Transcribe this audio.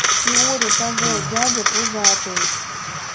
фиоре того дядя пузатый